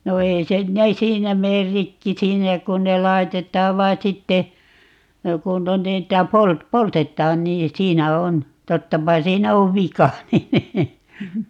no ei sen ne siinä mene rikki siinä kun ne laitetaan vain sitten kun ne niitä - poltetaan niin siinä on tottapa siinä on vika niin